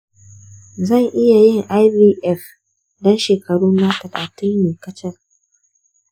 zan iya yin ivf dan shekaruna talatin ne kacal?